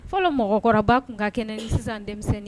Fɔlɔ mɔgɔkɔrɔba tun ka kɛnɛ sisan denmisɛnnin